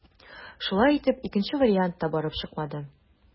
Шулай итеп, икенче вариант та барып чыкмады.